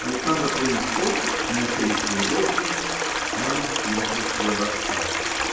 Александр принес кофе, мы уселись поудобнее; М. начал свой рассказ.